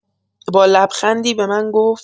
با لبخندی به من گفت